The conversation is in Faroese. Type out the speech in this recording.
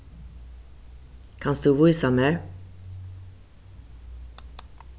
kanst tú vísa mær